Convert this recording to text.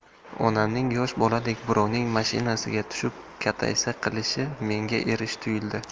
onamning yosh boladek birovning mashinasiga tushib kataysa qilishi menga erish tuyuldi